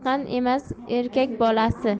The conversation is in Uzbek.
emas erkak bolasi